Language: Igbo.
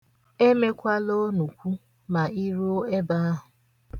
Emekwala onukwu ma ị ruo ebe ahụ.